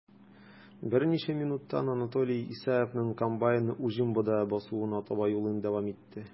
Берничә минуттан Анатолий Исаевның комбайны уҗым бодае басуына таба юлын дәвам итте.